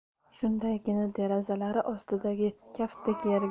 shundaygina derazalari ostidagi kaftdek